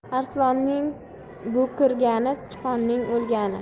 arslonning bo'kirgani sichqonning o'lgani